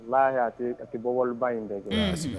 Laahi a te a te bɔbɔliba in bɛ kɛ unhun kana siga